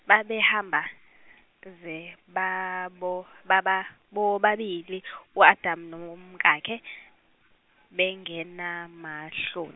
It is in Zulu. babehamba ze babo baba bobabili u Adam nomkakhe bengenamahlon-.